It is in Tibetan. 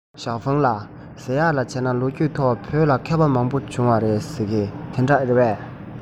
ཞའོ ཧྥུང ལགས ཟེར ཡས ལ བྱས ན ལོ རྒྱུས ཐོག བོད ལ མཁས པ མང པོ བྱུང བ རེད ཟེར གྱིས དེ འདྲ རེད པས